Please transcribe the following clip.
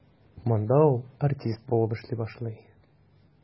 Монда ул артист булып эшли башлый.